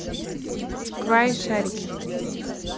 cry шарики